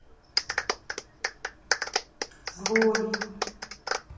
злой